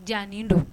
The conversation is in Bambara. Ja nin don